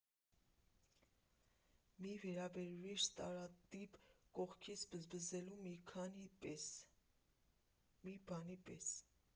Մի՛ վերաբերվիր ստարտափին կողքից բզբզելու մի բանի պես։